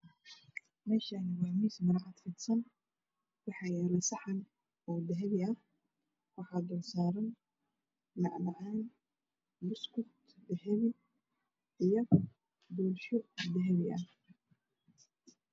Meeshaani waa miis maro cad ku fidsan waxaa yaalo saxan oo dahabi ah waxaa dul saaran macmacaan buskud dahabi iyo bujiyo dahabi ah